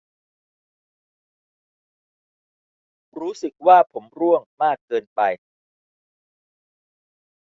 รู้สึกว่าผมร่วงมากเกินไป